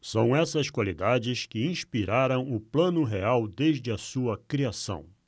são essas qualidades que inspiraram o plano real desde a sua criação